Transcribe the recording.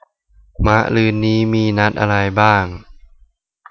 มะรืนนี้มีนัดอะไรบ้าง